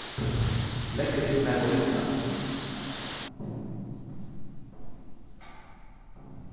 leggur tú nakað í tað